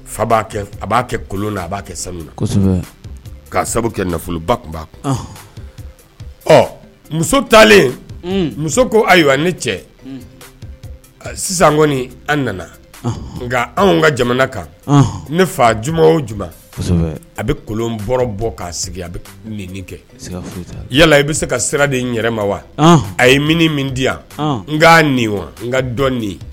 Fa b'a kɛ a b'a kɛ kolon na a b'a kɛ sanu'a sabu kɛ nafolo ba kunba ɔ muso taalen muso ko ayiwa ne cɛ sisan kɔni an nana nka anw ka jamana kan ne fa juma o jumɛnuma a bɛ kolon bɔ bɔ k'a sigi a bɛ nin nin kɛ yala i bɛ se ka sira de n yɛrɛ ma wa a ye min min di yan n'a nin wa n ka dɔn nin